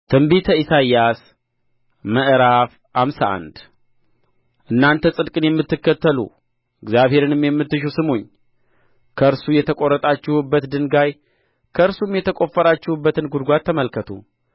ትንቢተ ኢሳይያስ ምዕራፍ ሃምሳ አንድ እናንተ ጽድቅን የምትከተሉ እግዚአብሔርንም የምትሹ ስሙኝ ከእርሱ የተቈረጣችሁበትን ድንጋይ ከእርሱም የተቈፈራችሁበትን ጕድጓድ ተመልከቱ